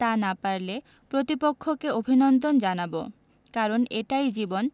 তা না পারলে প্রতিপক্ষকে অভিনন্দন জানাব কারণ এটাই জীবন